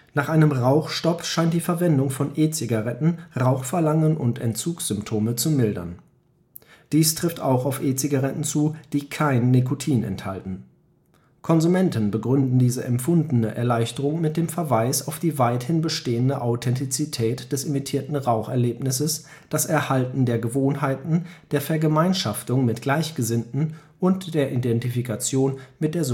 Nach einem Rauchstopp scheint die Verwendung von E-Zigaretten Rauchverlangen und Entzugssymptome zu mildern. Dies trifft auch auf E-Zigaretten zu, die kein Nikotin enthalten. Konsumenten begründen diese empfundene Erleichterung mit dem Verweis auf die weiterhin bestehende Authentizität des imitierten Raucherlebnisses, das Erhalten der Gewohnheiten, der Vergemeinschaftung mit Gleichgesinnten und der Identifikation mit der